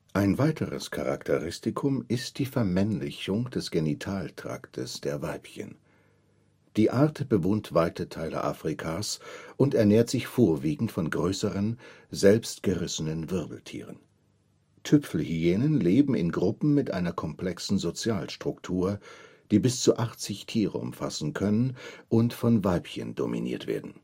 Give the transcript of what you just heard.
ein weiteres Charakteristikum ist die „ Vermännlichung “des Genitaltraktes der Weibchen. Die Art bewohnt weite Teile Afrikas und ernährt sich vorwiegend von größeren, selbst gerissenen Wirbeltieren. Tüpfelhyänen leben in Gruppen mit einer komplexen Sozialstruktur, die bis zu 80 Tiere umfassen können und von Weibchen dominiert werden